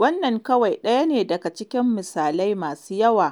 Wannan kawai ɗaya ne daga cikin misalai masu yawa